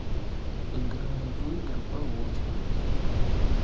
играю в игры по очереди